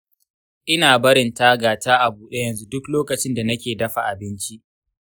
ina barin taga ta a bude yanzu duk lokacin da nake dafa abinci.